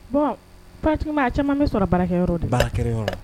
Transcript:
Bɔn pa a cɛ bɛ sɔrɔ baarakɛyɔrɔ baarakɛyɔrɔ